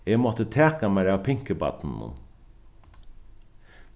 eg mátti taka mær av pinkubarninum